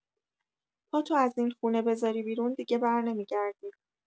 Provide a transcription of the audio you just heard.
پاتو از این خونه بزاری بیرون دیگه برنمی‌گردی.